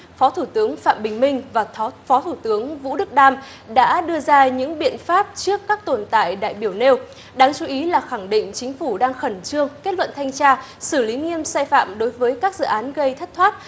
phó thủ tướng phạm bình minh và thó phó thủ tướng vũ đức đam đã đưa ra những biện pháp trước các tồn tại đại biểu nêu đáng chú ý là khẳng định chính phủ đang khẩn trương kết luận thanh tra xử lý nghiêm sai phạm đối với các dự án gây thất thoát